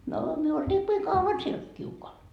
no me oltiinkin kauan siellä kiukaalla